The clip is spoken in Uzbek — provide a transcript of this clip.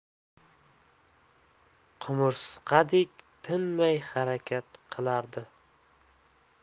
qumursqadek tinmay harakat qilardi